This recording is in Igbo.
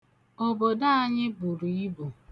Obodo anyị buru ibu.